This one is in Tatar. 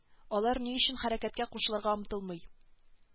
Алар ни өчен хәрәкәткә кушылырга омтылмый